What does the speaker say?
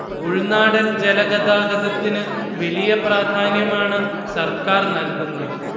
ഉൾനാടൻ ജലഗതാഗതത്തിനു വലിയ പ്രാധാന്യമാണു സർക്കാർ നൽകുന്നത്